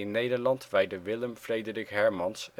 Nederland wijdde Willem Frederik Hermans